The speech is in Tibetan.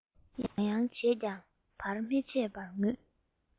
ཡང ཡང བྱས ཀྱང བར མཚམས མེད པར ངུས